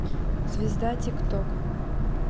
zvezda tiktok